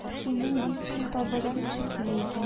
Синең дискың табадан төшеп килә икән.